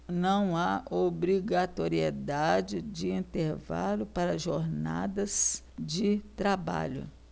não há obrigatoriedade de intervalo para jornadas de trabalho